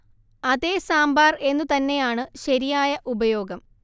അതെ സാമ്പാർ എന്നു തന്നെയാണ് ശരിയായ ഉപയോഗം